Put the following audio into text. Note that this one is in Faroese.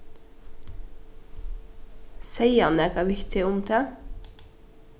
segði hann nakað við teg um tað